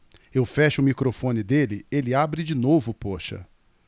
eu fecho o microfone dele ele abre de novo poxa